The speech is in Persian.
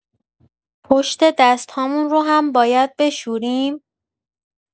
پشت دست‌هامون رو هم باید بشوریم؟